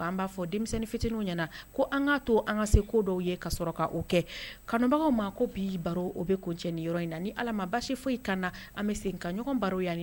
B'a fɔ denmisɛnnin fitinin ɲɛna ko to an ka se ko ka k' kɛ kanubagaw ma ko bi baro o bɛ cɛ ni yɔrɔ in na ni ala ma basi foyi kan an bɛ se ka ɲɔgɔn baro yan